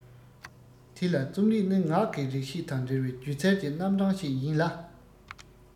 དེ ལ རྩོམ རིག ནི ངག གི རིག བྱེད དང འབྲེལ བའི སྒྱུ རྩལ གྱི རྣམ གྲངས ཤིག ཡིན ལ